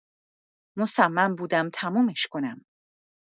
مصمم بودم تمومش کنم.